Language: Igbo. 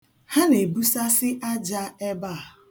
Ha na-ebusasị aja ebe a.